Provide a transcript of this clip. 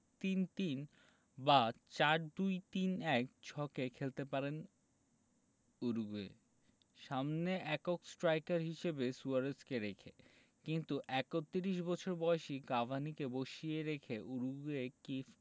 ৩ ৩ বা ৪ ২ ৩ ১ ছকে খেলতে পারেন উরুগুয়ে সামনে একক স্ট্রাইকার হিসেবে সুয়ারেজকে রেখে কিন্তু ৩১ বছর বয়সী কাভানিকে বসিয়ে রেখে উরুগুয়ে কি